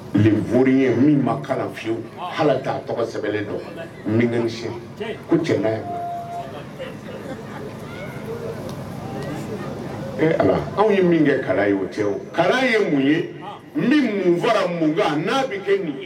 Uru ye min ma fiyewu ala t'a tɔgɔ sɛbɛnbɛlen dɔn min sen u cɛ ala anw ye min kɛ kala ye o cɛ o ka ye mun ye min mun fara mun n'a bɛ kɛ mun